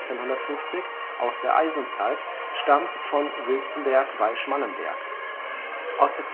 1950) aus der Eisenzeit stammt vom Wilzenberg bei Schmallenberg. Aus